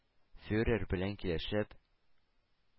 Фюрер белән килешеп,